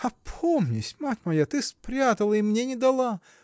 опомнись, мать моя: ты спрятала и мне не дала.